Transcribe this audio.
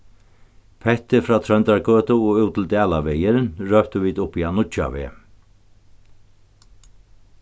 pettið frá tróndargøtu og út til dalavegin róptu vit uppi á nýggjaveg